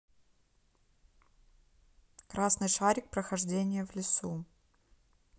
красный шарик прохождение в лесу